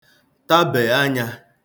tabè anyā